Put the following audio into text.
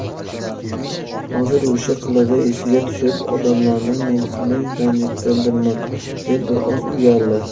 hozir o'sha qilig'i esiga tushib odamlarni mensimay ranjitgandirman deb bir oz uyaldi